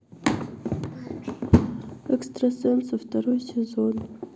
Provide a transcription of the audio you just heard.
экстрасенсы второй сезон